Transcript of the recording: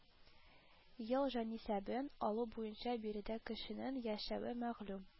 Ел җанисәбен алу буенча биредә кешенең яшәве мәгълүм